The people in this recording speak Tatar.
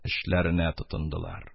Эшләренә тотындылар.